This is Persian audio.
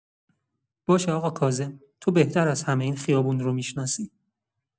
باشه آقا کاظم، تو بهتر از همه این خیابون رو می‌شناسی.